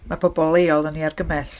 Ma' pobl leol yn ei argymell.